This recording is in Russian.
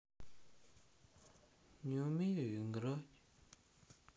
не умею играть